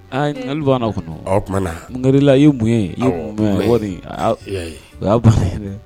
Banna tuma ye mun ye'a o y'a